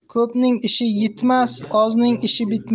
ko'pning ishi yitmas ozning ishi bitmas